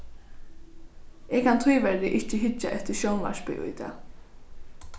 eg kann tíverri ikki hyggja eftir sjónvarpi í dag